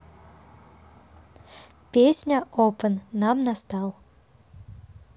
песня open нам настал